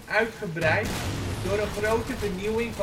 uitgebreid door een grote vernieuwing